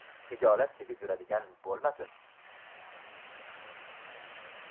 xijolat chekib yuradigan bo'lmasin